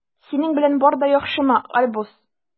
Синең белән бар да яхшымы, Альбус?